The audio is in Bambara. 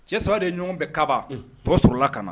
Cɛ 3 de ye ɲɔgɔn bɛ Kaaba unhun tɔw sɔrɔla kana